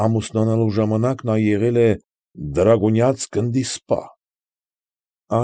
Ամուսնանալու ժամանակ նա եղել է գրագունյան գնդի սպա։